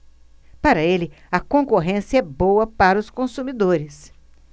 para ele a concorrência é boa para os consumidores